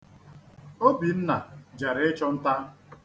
Obinna jere ịchụ nta.